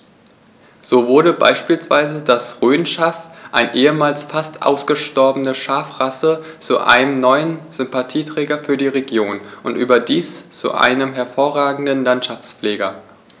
So wurde beispielsweise das Rhönschaf, eine ehemals fast ausgestorbene Schafrasse, zu einem neuen Sympathieträger für die Region – und überdies zu einem hervorragenden Landschaftspfleger.